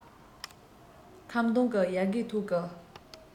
ཁམ སྡོང གི ཡལ ག འི ཐོག གི